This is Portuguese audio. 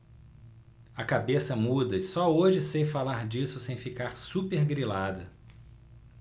a cabeça muda e só hoje sei falar disso sem ficar supergrilada